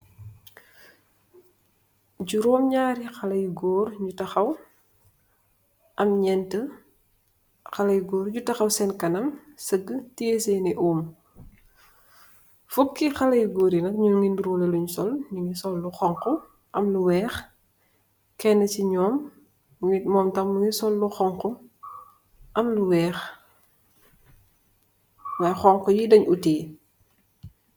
Jorom nyarri khaleh yu gorr nyu takhaw am nyenti khaleh yu goor yu takhaw sen kanam saguh teyeh sen ume fouki khaleh yu goor yi nyunge nyorru leh lunj sul lu xhong khu kene si nyum munge sul xhong khu am lu wekh